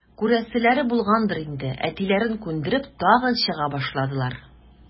Күрәселәре булгандыр инде, әтиләрен күндереп, тагын чыга башладылар.